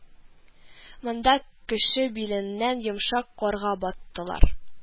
Монда кеше биленнән йомшак карга баттылар